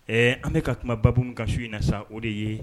Ee an bɛka ka kumababo min ka su in na sa o de ye